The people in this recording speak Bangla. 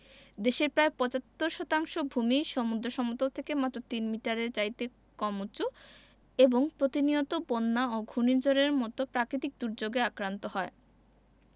দেশের প্রায় ৭৫ শতাংশ ভূমিই সমুদ্র সমতল থেকে মাত্র তিন মিটারের চাইতেও কম উঁচু এবং প্রতিনিয়ত বন্যা ও ঘূর্ণিঝড়ের মতো প্রাকৃতিক দুর্যোগে আক্রান্ত হয়